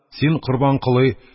«син, корбанколый,